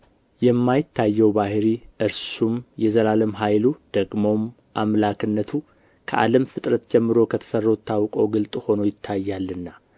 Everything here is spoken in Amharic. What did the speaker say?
የማይታየው ባሕርይ እርሱም የዘላለም ኃይሉ ደግሞም አምላክነቱ ከዓለም ፍጥረት ጀምሮ ከተሠሩት ታውቆ ግልጥ ሆኖ ይታያልና